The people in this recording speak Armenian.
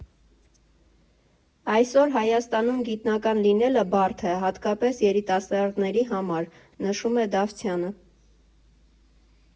«Այսօր Հայաստանում գիտնական լինելը բարդ է, հատկապես երիտասարդների համար, ֊ նշում է Դավթյանը։